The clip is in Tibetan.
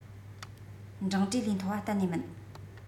འབྲིང གྲས ལས མཐོ བ གཏན ནས མིན